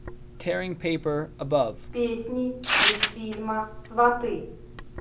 песни из фильма сваты